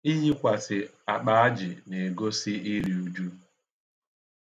Iyikwasi akpa ajị na-egosi iri uju.